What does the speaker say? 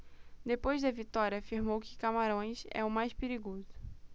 depois da vitória afirmou que camarões é o mais perigoso